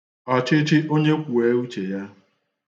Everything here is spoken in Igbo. ọ̀chịchịonyekwùeuchèya